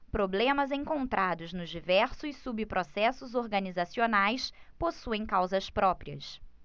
problemas encontrados nos diversos subprocessos organizacionais possuem causas próprias